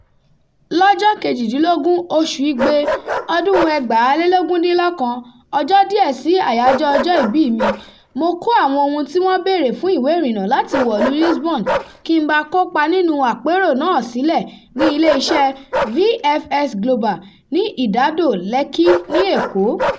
Lọ́jọ́ 18 oṣù Igbe, 2019, ọjọ́ díẹ̀ sí àyájọ́ ọjọ́ ìbíì mi, mo kó àwọn ohun tí wọn béèrè fún ìwé ìrìnnà láti wọ̀lúu Lisbon ki n ba kópa nínúu àpérò náà sílẹ̀ ní ilé-iṣẹ́ẹ VFS Global ní ìdádò Lekki, ní Èkó.